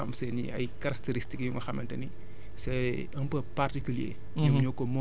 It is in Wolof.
ñoom dañu am seeni ay caractéristiques yu nga xamante ni c' est un peu particulier